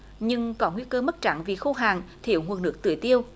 nhưng có nguy cơ mất trắng vì khô hạn thiếu nguồn nước tưới tiêu